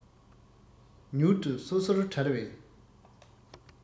མྱུར དུ སོ སོར བྲལ བའི